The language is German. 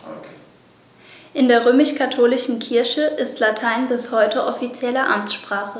In der römisch-katholischen Kirche ist Latein bis heute offizielle Amtssprache.